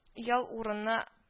Ял урыны